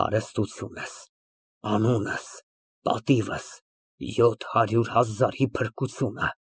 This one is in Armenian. Հարստությունս, անունս, պատիվս, յոթ հարյուր հազարի փրկությունը։